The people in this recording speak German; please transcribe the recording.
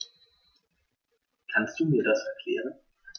Kannst du mir das erklären?